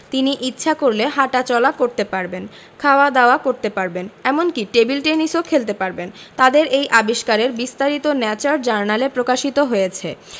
তিনি ইচ্ছা করলে হাটাচলা করতে পারবেন খাওয়া দাওয়া করতে পারবেন এমনকি টেবিল টেনিসও খেলতে পারবেন তাদের এই আবিষ্কারের বিস্তারিত ন্যাচার জার্নালে প্রকাশিত হয়েছে